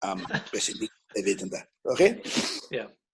am be sy digwydd hefyd ynde welwch chi? Ia.